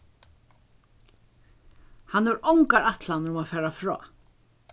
hann hevur ongar ætlanir um at fara frá